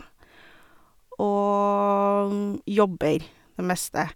Og jobber, det meste.